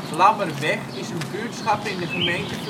Lammerweg is een buurtschap in de gemeente